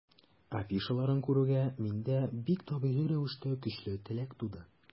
Афишаларын күрүгә, миндә бик табигый рәвештә көчле теләк туды.